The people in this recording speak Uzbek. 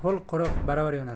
ho'l quruq baravar yonar